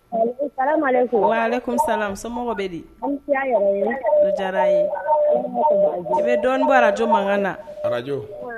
Wa kun salamusomɔgɔw bɛ di diyara ye i bɛ dɔnnibɔ arajo mankan na arajo